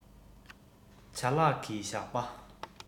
བྱ གླག གིས བཞག པའི